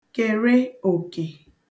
kère òkè